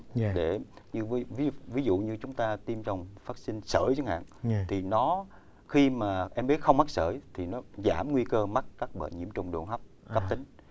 để như ví dụ ví dụ như chúng ta tiêm chủng vắc xin sởi chẳng hạn thì nó khi mà em bé không mắc sởi thì nó giảm nguy cơ mắc các bệnh nhiễm trùng đường hô hấp cấp tính